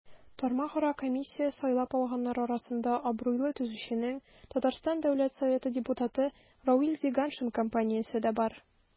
Тармакара комиссия сайлап алганнар арасында абруйлы төзүченең, ТР Дәүләт Советы депутаты Равил Зиганшин компаниясе дә бар.